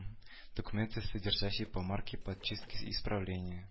Документы содержащие помарки подчистки исправления